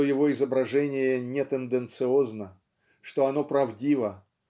что его изображение не тенденциозно что оно правдиво